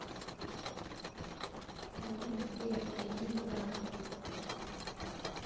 салют сбер зайди в браузер